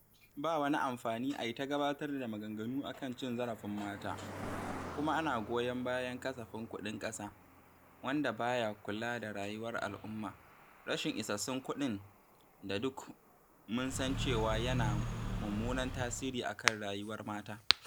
Ba wani amfani a yi ta gabatar da maganganu a kan cin zarafin mata kuma ana goyon bayan kasafin kuɗin ƙasa wanda ba ya kula da rayuwar al'umma, rashin isassun kuɗin da duk mun san cewa yana mummunan tasiri a kan rayuwar mata.